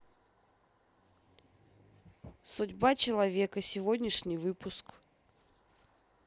судьба человека сегодняшний выпуск